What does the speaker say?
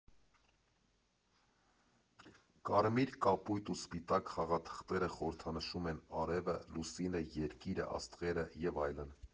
Կարմիր, կապույտ ու սպիտակ խաղաթղթերը խորհրդանշում են արևը, լուսինը, երկիրը, աստղերը և այլն։